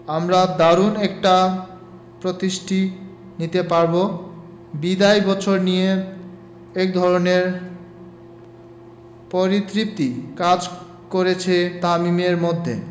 আমরা দারুণ একটা প্রস্তুতি নিতে পারব বিদায়ী বছর নিয়ে একধরনের পরিতৃপ্তি কাজ করছে তামিমের মধ্যে